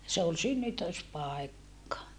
se oli synnytyspaikka